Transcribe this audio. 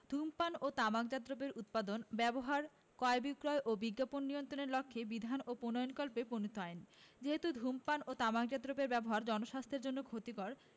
ধূমপান ও তামাকজাত দ্রব্যের উৎপাদন ব্যবহার ক্রয় বিক্রয় ও বিজ্ঞাপন নিয়ন্ত্রণের লক্ষ্যে বিধান ও প্রণয়নকল্পে প্রণীত আইন যেহেতু ধূমপান ও তামাকজাত দ্রব্যের ব্যবহার জনস্বাস্থ্যের জন্য ক্ষতিকর